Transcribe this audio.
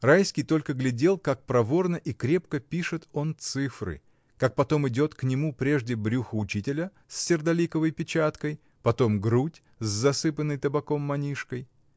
Райский только глядел, как проворно и крепко пишет он цифры, как потом идет к нему прежде брюхо учителя с сердоликовой печаткой, потом грудь с засыпанной табаком манишкой.